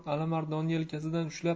alimardonni yelkasidan ushlab